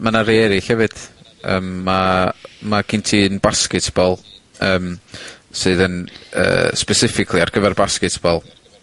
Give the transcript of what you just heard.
Ma' 'na rei eryll hefyd, yym ma', ma' gen ti un basketball, yym, sydd yn yy specifically ar gyfer basketball.